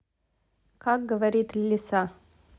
как говорит лиса